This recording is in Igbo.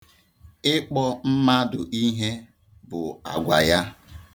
Ikpọ mmadụ ihe bụ agwa ya.